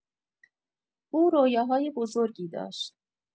او رویاهای بزرگی داشت.